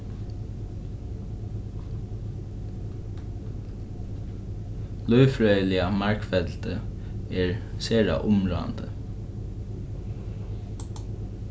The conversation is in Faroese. lívfrøðiliga margfeldið er sera umráðandi